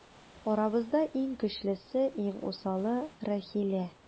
Арабызда иң көчлесе, иң усалы - Рәхилә.